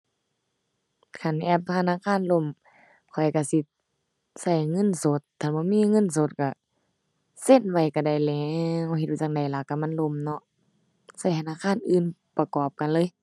คันแอปธนาคารล่ม ข้อยก็สิก็เงินสด ถ้าหั้นบ่เงินสดก็เซ็นไว้ก็ได้แหล้ว เฮ็ดจั่งใดล่ะ ก็มันล่มเนาะ ก็ธนาคารอื่นประกอบกันเลย